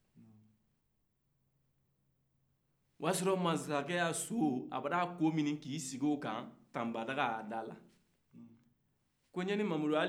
o y'a sɔrɔ mansakɛ ka so o y'a ku minin k'i sigi o kan tambadaga b'a da la a ko ɲanimudu hali n'i ma taa na yan